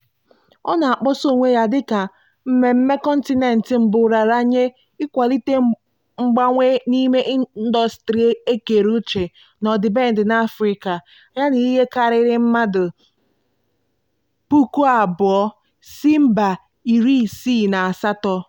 Ọ na-akpọsa onwe ya dị ka "mmemme kọntinentị mbụ raara nye ịkwalite mgbanwe n'ime ndọstrị ekere uch na ọdịbendị n'Africa", ya na ihe karịrị mmadụ 2,000 si mba 68.